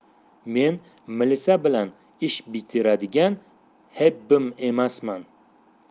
men milisa bilan ish bitiradigan hebbim emasman